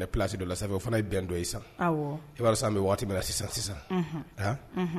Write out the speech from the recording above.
Plasi dɔ fana ye bɛn dɔ sisan sisan bɛ waati sisan sisan